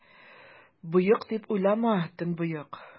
Боек, дип уйлама, төнбоек!